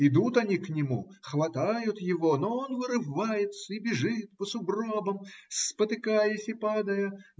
Идут они к нему, хватают его, но он вырывается и бежит по сугробам, спотыкаясь и падая